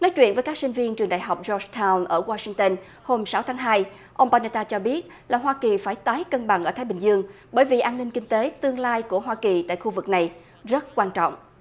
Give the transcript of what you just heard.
nói chuyện với các sinh viên trường đại học do tham ở goa sinh tơn hôm sáu tháng hai ông ba ne ta cho biết là hoa kỳ phải tái cân bằng ở thái bình dương bởi vì an ninh kinh tế tương lai của hoa kỳ tại khu vực này rất quan trọng